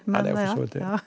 nei det er jo for så vidt det.